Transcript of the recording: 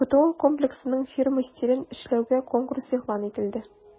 ГТО Комплексының фирма стилен эшләүгә конкурс игълан ителде.